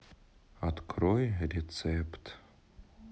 открой рецепт